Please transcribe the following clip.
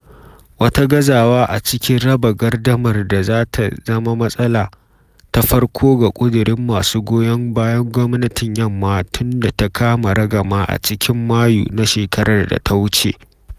Wata gazawa a cikin raba gardamar za ta zama matsala ta farko ga ƙudurin masu goyon bayan gwamnatin Yamma tun da ta kama ragama a cikin Mayu na shekarar da ta wuce.